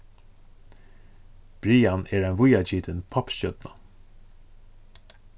brian er ein víðagitin poppstjørna